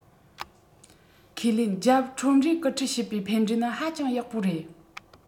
ཁས ལེན རྒྱབ ཁྲོམ རའི སྐུལ ཁྲིད བྱེད པའི ཕན འབྲས ནི ཧ ཅང ཡག པོ རེད